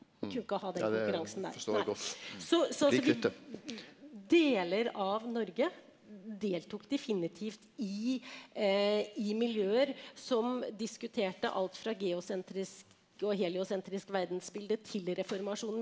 de kunne ikke ha den konkurransen der nei, så så så deler av Norge deltok definitivt i i miljøer som diskuterte alt fra geosentrisk og heliosentrisk verdensbilde til reformasjonen.